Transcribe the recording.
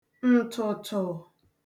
ǹtụ̀tụ̀